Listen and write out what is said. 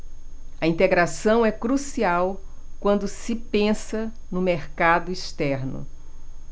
a integração é crucial quando se pensa no mercado externo